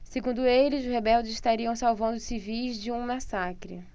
segundo ele os rebeldes estariam salvando os civis de um massacre